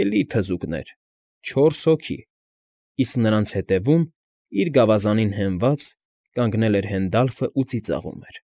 Էլի թզուկներ, չորս հոգի։ Իսկ նրանց ետևում, իր գավազանին հենված, կանգնել էր Հենդալֆն ու ծիծաղում էր։